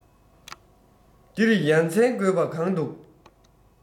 འདིར ཡ མཚན དགོས པ གང འདུག